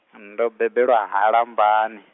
ndo bebelwa ha Lambani.